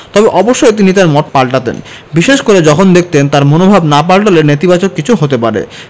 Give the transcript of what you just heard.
তবে অবশ্যই তিনি তাঁর মত পাল্টাতেন বিশেষ করে যখন দেখতেন তাঁর মনোভাব না পাল্টালে নেতিবাচক কিছু হতে পারে